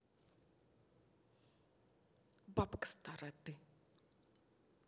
бабка старая ты